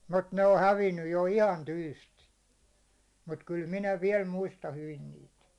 mutta ne on hävinnyt jo ihan tyystin mutta kyllä minä vielä muistan hyvin niitä